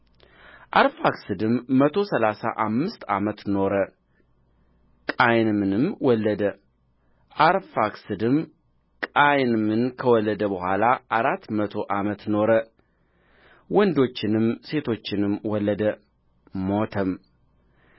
አርፋክስድም መቶ ሠላሳ አምስት ዓመት ኖረ ቃይንምንም ወለደ አርፋክስድም ቃይንምን ከወለደ በኋላ አራት መቶ ዓመት ኖረ ወንዶችንም ሴቶችንም ወለደ ሞተም